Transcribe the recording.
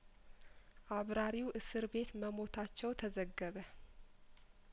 አብራሪው እስር ቤት መሞታቸው ተዘገበ